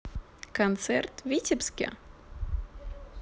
концерт в витебске